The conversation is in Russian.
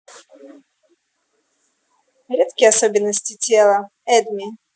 редкие особенности тела adme